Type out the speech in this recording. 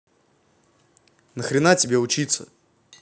нахрена тебе учиться